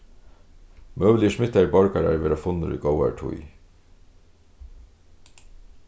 møguligir smittaðir borgarar verða funnir í góðari tíð